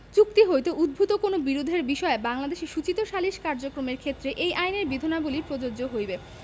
চুক্তি হইতে উদ্ভুত কোন বিরোধের বিষয়ে বাংলাদেশে সূচিত সালিস কার্যক্রমের ক্ষেত্রে এই আইনের বিধানাবলী প্রযোজ্য হইবে